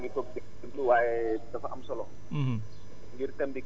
boobu ba léegi maa ngi toog di déglu waaye dafa am solo